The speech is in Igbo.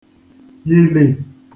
yìl